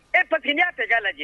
E paki yyaa fɛ ja lajɛ